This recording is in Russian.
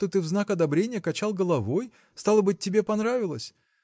что ты в знак одобрения качал головой стало быть тебе понравилось.